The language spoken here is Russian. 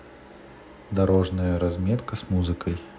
дорожная разметка с музыкой